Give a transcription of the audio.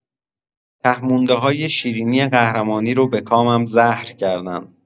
ته مونده‌های شیرینی قهرمانی رو به کامم زهر کردن